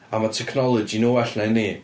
A mae technology nhw'n well na un ni.